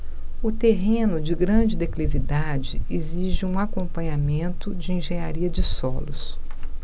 o terreno de grande declividade exige um acompanhamento de engenharia de solos